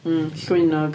Hmm llwynog.